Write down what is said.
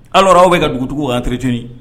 Alors aw bɛ ka dugutigiw entretenu